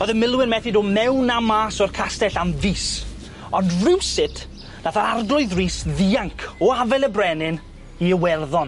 O'dd y milwyr methu dod mewn na mas o'r castell am fis ond rywsut nath y arglwydd Rys ddianc o afel y brenin i Iwerddon.